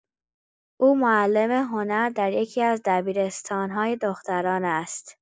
او معلم هنر در یکی‌از دبیرستان‌های دخترانه است.